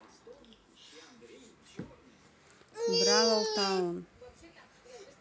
brawl таун